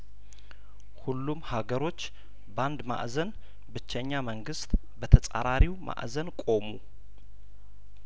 ሁሉም ሀገሮች ባንድ ማእዘን ብቸኛ መንግስት በተጻራሪው ማእዘን ቆሙ